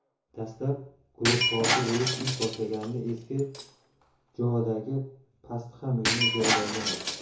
dastlab guruhboshi bo'lib ish boshlaganida eski jo'vadagi pastqam uyni ijaraga olgan edi